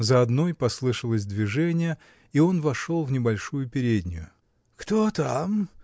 За одной послышалось движение, и он вошел в небольшую переднюю. — Кто там?